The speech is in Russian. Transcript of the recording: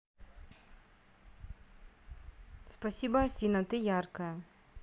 спасибо афина ты яркая